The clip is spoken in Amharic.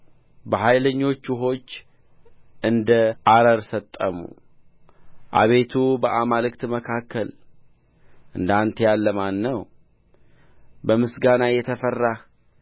በኃይለኞች ውኆችም እንደ አረር ሰጠሙ አቤቱ በአማልክት መካከል እንደ አንተ ያለ ማን ነው በምስጋና የተፈራህ